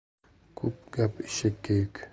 ko'p gap eshakka yuk